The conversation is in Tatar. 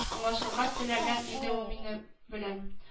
Аңлашырга теләгән иде ул минем белән